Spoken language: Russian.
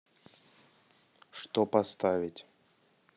что поставить